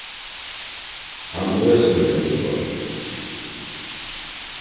hann øsir meg viðhvørt